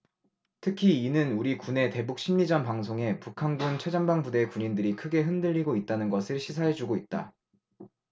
특히 이는 우리 군의 대북 심리전방송에 북한군 최전방부대 군인들이 크게 흔들리고 있다는 것을 시사해주고 있다